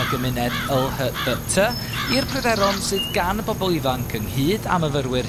y gymuned yl-hy dy ty, i'r pryderon sydd gan y bobol ifanc, ynghyd â myfyrwyr